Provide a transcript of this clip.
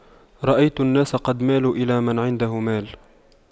رأيت الناس قد مالوا إلى من عنده مال